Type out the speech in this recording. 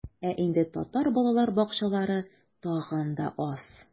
Ә инде татар балалар бакчалары тагын да аз.